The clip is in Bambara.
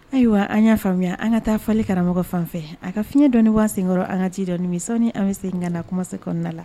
Ayiwa an y'a faamuya an ka taa falenli karamɔgɔ fan fɛ a ka fiɲɛ dɔɔnin waa senkɔrɔ an ka ci dɔ ninmi sɔnni an bɛ se na kumase kɔnɔna la